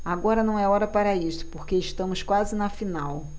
agora não é hora para isso porque estamos quase na final